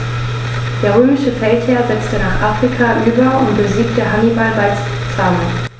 Der römische Feldherr setzte nach Afrika über und besiegte Hannibal bei Zama.